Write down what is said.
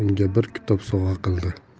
unga bir kitob sovg'a qildi